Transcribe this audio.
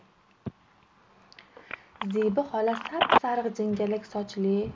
zebi xola sap sariq jingalak sochli